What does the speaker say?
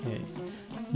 eyyi